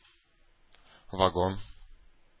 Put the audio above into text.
Вагон